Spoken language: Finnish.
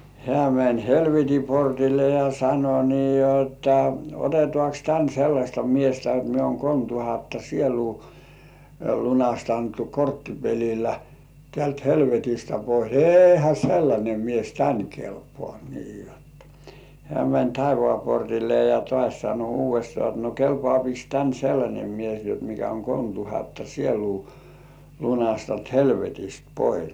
hän meni helvetin portille ja sanoi niin jotta otetaankos tänne sellaista miestä että minä olen kolme tuhatta sielua lunastanut korttipelillä täältä helvetistä pois eihän sellainen mies tänne kelpaa niin jotta hän meni taivaan portille ja taas sanoi uudestaan että no kelpaakos tänne sellainen mies jotta mikä on kolmetuhatta sielua lunastanut helvetistä pois